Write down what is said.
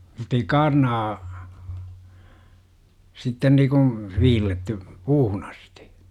mutta ei kaarnaa sitten niin kuin viilletty puuhun asti